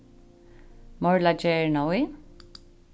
morla gerina í